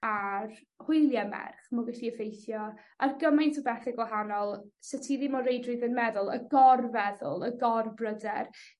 ar hwylie merch ma'n gallu effeithio ar gymaint o bethe gwahanol sa ti ddim o reidrwydd yn meddwl y gorfeddwl y gorbryder